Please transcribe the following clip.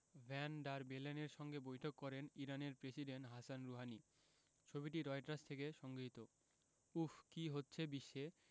van der বেলেনের সঙ্গে বৈঠক করেন ইরানের প্রেসিডেন্ট হাসান রুহানি ছবিটি রয়টার্স থেকে সংগৃহীত উফ্ কী হচ্ছে বিশ্বে